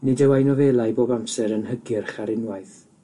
Nid yw ei nofelau bob amser yn hygyrch ar unwaith,